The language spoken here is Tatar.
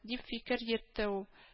—дип фикер йөртте ул